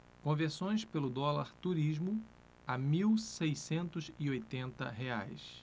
conversões pelo dólar turismo a mil seiscentos e oitenta reais